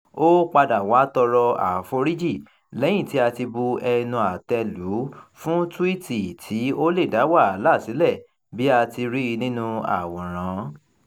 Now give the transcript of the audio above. Ó padà wá á tọrọ àforíjì, lẹ́yìn tí a ti bu ẹnu àtẹ́ lù ú, fún túwíìtì "tí ó lè dá wàhálà sílẹ̀ " bí a ti rí i nínú Àwòrán.